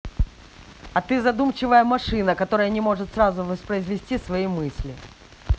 а ты задумчивая машина которая не может сразу воспроизвести свои мысли